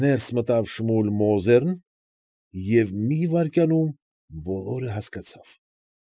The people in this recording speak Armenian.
Ներս մտավ Շմուլ Մոզերն և մի վայրկյանում բոլորը հասկացավ։